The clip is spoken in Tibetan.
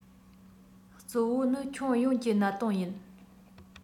གཙོ བོ ནི ཁྱོན ཡོངས ཀྱི གནད དོན ཡིན